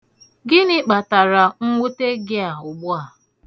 Gịnị kpatara nnwute gị a ugbu a?